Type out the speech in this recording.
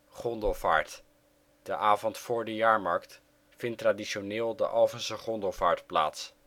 Gondelvaart: De avond voor de jaarmarkt vindt traditioneel de Alphense gondelvaart plaats